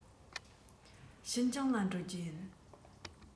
ཤིན ཅང ལ འགྲོ རྒྱུ ཡིན